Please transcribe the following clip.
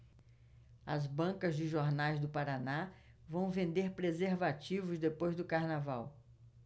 as bancas de jornais do paraná vão vender preservativos depois do carnaval